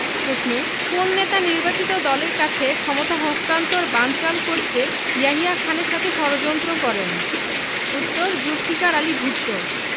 প্রশ্ন কোন নেতা নির্বাচিত দলের কাছে ক্ষমতা হস্তান্তর বানচাল করতে ইয়াহিয়া খানের সাথে ষড়যন্ত্র করেন উত্তরঃ জুলফিকার আলী ভুট্ট